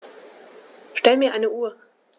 Stell mir eine Uhr.